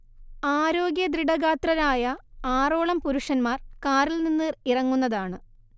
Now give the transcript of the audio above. ആരോഗ്യദൃഡഗാത്രരായ ആറോളം പുരുഷന്മാർ കാറിൽ നിന്ന് ഇറങ്ങുന്നതാണ്